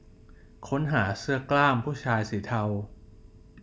ค้นหาเสื้อกล้ามผู้ชายสีเทา